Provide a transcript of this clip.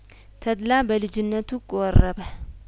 ተድላ በልጅነቱ ቆረበ